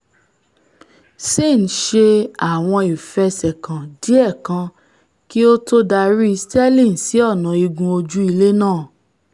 Sane ṣe àwọn ìfẹsẹ̀kàn diẹ́ kan kí ó tó darí Sterling sí ọ̀nà igun ojú-ilé náà.